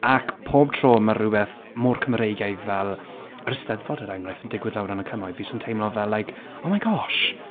Ac pob tro, mae rywbeth mor Cymreigaidd fel yr Eisteddfod er enghraifft yn digwydd lawr yn y cymoedd, fi jyst yn teimlo fel like oh my gosh.